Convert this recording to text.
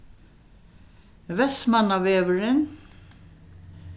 vestmannavegurin